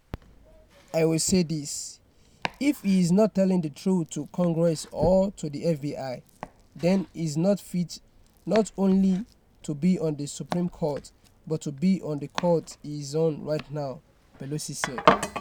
"I will say this -- if he is not telling the truth to Congress or to the FBI, then he's not fit not only to be on the Supreme Court, but to be on the court he's on right now," Pelosi said.